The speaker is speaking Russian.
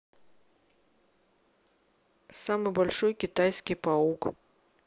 самый большой китайский паук